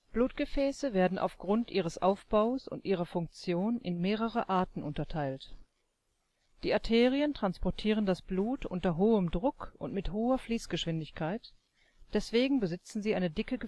Blutgefäße werden aufgrund ihres Aufbaus und ihrer Funktion in mehrere Arten unterteilt. Die Arterien transportieren das Blut unter hohem Druck und mit hoher Fließgeschwindigkeit, deswegen besitzen sie eine dicke